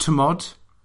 t'mod